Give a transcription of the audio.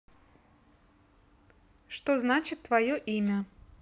что значит твое имя